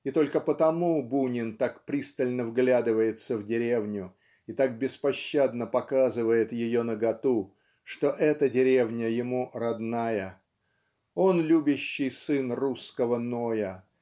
и только потому Бунин так пристально вглядывается в деревню и так беспощадно показывает ее наготу что эта деревня ему родная. Он любящий сын русского Ноя